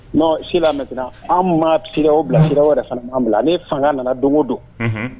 Mɛ an maa o bila sira wɛrɛ fana bila ne fanga nana don o don